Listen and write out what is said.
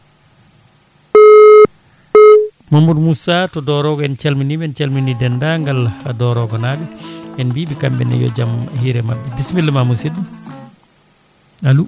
Mamadou Moussa to Doorogo en calminiɓe en calmini dendagal Doorogo naaɓe en mbiɓe kamɓene yo jaam hiire mabɓe bisimilla ma musidɗo alo